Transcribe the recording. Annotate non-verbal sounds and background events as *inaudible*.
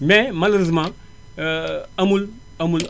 mais malheureusement *noise* *hesitation* amul amul *noise*